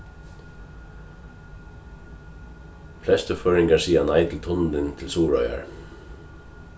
flestu føroyingar siga nei til tunnilin til suðuroyar